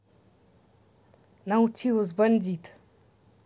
nautilus бандит